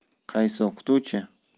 qaysi o'qituvchi